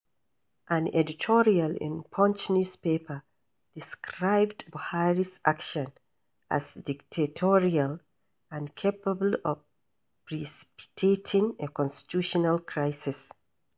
An editorial in Punch newspaper described Buhari's action as dictatorial and capable of precipitating a constitutional crisis: